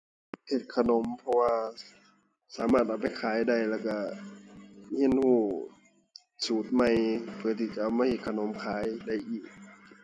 เฮ็ดขนม เพราะว่าสามารถเอาไปขายได้แล้วก็ก็ก็สูตรใหม่ เพื่อที่จะเอามาเฮ็ดขนมขายได้อีก